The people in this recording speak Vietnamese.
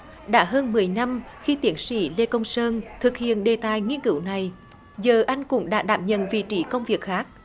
đã hơn mười năm khi tiến sĩ lê công sơn thực hiện đề tài nghiên cứu này giờ anh cũng đã đảm nhận vị trí công việc khác